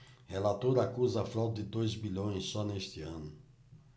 relator acusa fraude de dois bilhões só neste ano